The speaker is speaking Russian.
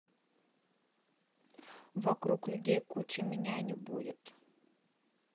вокруг людей куча меня не будет